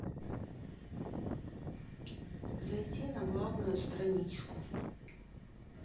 зайти на главную страничку